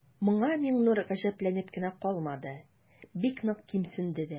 Моңа Миңнур гаҗәпләнеп кенә калмады, бик нык кимсенде дә.